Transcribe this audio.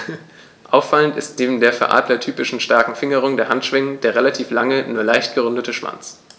Auffallend ist neben der für Adler typischen starken Fingerung der Handschwingen der relativ lange, nur leicht gerundete Schwanz.